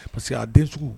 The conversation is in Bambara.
Parce que a den sugu